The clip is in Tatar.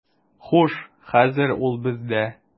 Хуш, хәзер ул бездә.